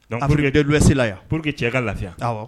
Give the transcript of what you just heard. Sila yan p que cɛ ka lafi